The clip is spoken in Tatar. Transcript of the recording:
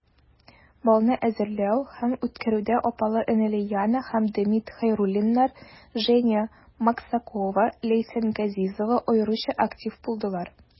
Балны әзерләү һәм үткәрүдә апалы-энеле Яна һәм Демид Хәйруллиннар, Женя Максакова, Ләйсән Газизова аеруча актив булдылар.